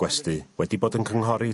...gwesty wedi bod yn cynghori...